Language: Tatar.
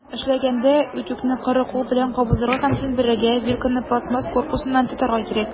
Эшләгәндә, үтүкне коры кул белән кабызырга һәм сүндерергә, вилканы пластмасс корпусыннан тотарга кирәк.